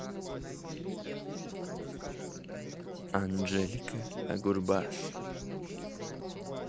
анжелика агурбаш